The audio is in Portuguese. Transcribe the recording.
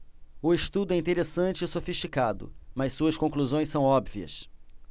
o estudo é interessante e sofisticado mas suas conclusões são óbvias